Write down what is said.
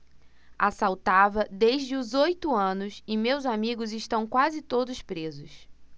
assaltava desde os oito anos e meus amigos estão quase todos presos